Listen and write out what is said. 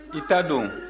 i ta don